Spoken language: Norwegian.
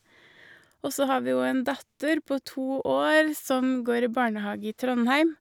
Og så har vi jo en datter på to år som går i barnehage i Trondheim.